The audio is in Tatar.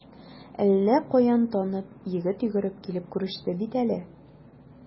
Әллә каян танып, егет йөгереп килеп күреште бит әле.